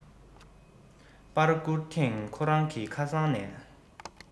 པར བསྐུར ཐེངས ཁོ རང གི ཁ སང ནས